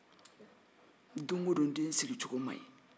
don o don n den sigicogo man ɲi